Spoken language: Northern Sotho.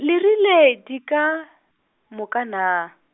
le rile di ka, moka naa?